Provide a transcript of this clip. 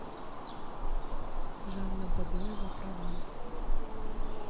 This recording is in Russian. жанна бадоева прованс